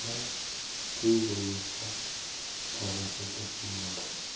tarakada teng bo'lar